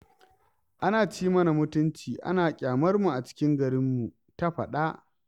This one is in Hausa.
Ana ci mana mutunci ana ƙyamarmu a cikin garinmu, ta faɗa.